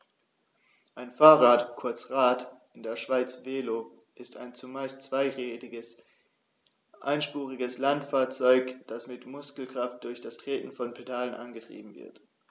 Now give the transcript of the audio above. Ein Fahrrad, kurz Rad, in der Schweiz Velo, ist ein zumeist zweirädriges einspuriges Landfahrzeug, das mit Muskelkraft durch das Treten von Pedalen angetrieben wird.